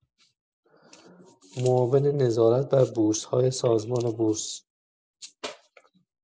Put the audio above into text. معاون نظارت بر بورس‌های سازمان بورس